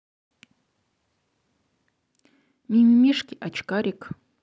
мимимишки очкарик